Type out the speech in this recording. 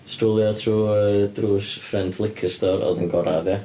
Strowlio trwy yy drws ffrynt liquor store, oedd yn agored ia.